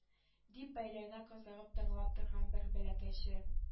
Дип бәйләнә кызыгып тыңлап торган бер бәләкәче